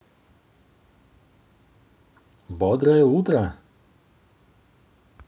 бодрое утро